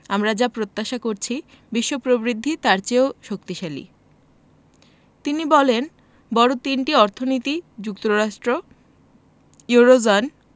আমরা যা প্রত্যাশা করেছি বিশ্ব প্রবৃদ্ধি তার চেয়েও শক্তিশালী তিনি বলেন বড় তিনটি অর্থনীতি যুক্তরাষ্ট্র ইউরোজোন